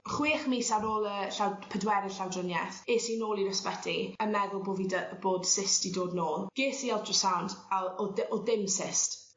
chwech mis ar ôl y llaw- pedwydd llawdrinieth es i nôl i'r ysbyty yn meddwl bo' fi 'dy bod cyst 'di dod nôl ges i ultrasound a o- o'dd dy- o'dd dim cyst.